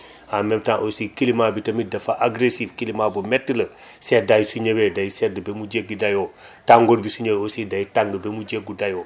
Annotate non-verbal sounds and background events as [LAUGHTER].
[INHALES] en même temps aussi climat bi tamit dafa agressif climat bu métti la [INHALES] seddaay su ñëwee day sedd ba mu jéggi dayoo [BREATH] tàngoor bi su ñëwee aussi day tàng ba mu jéggi dayoo